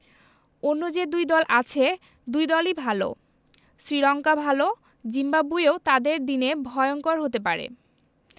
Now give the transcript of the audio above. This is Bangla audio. অন্য যে দুটি দল আছে দুই দলই ভালো শ্রীলঙ্কা ভালো জিম্বাবুয়েও তাদের দিনে ভয়ংকর হতে পারে